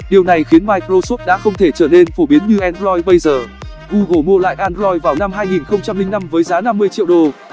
điều này khiến microsoft đã không thể trở nên phổ biến như android bây giờ google mua lại android vào năm với giá triệu đô